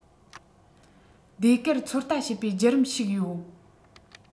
ཟློས གར ཚོད ལྟ བྱེད པའི བརྒྱུད རིམ ཞིག ཡོད